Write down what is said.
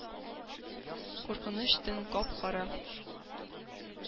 Куркыныч төн кап-кара...